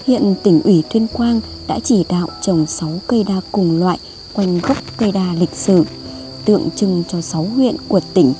hiện tỉnh ủy tuyên quang đã chỉ đạo trồng cây đa cùng loại quanh gốc cây đa lịch sử tượng trưng cho huyện của tỉnh